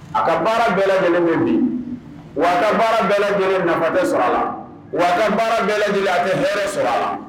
A ka baara bɛɛ lajɛlen di waga baara bɛɛ lajɛlen nafatɛ sɔrɔ a la waa baara bɛɛ lajɛlen a hɛrɛɛɛrɛ sɔrɔ a la